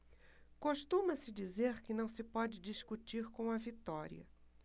costuma-se dizer que não se pode discutir com a vitória